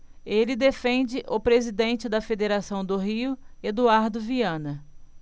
ele defende o presidente da federação do rio eduardo viana